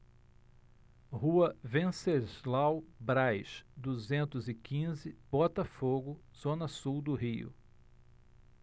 rua venceslau braz duzentos e quinze botafogo zona sul do rio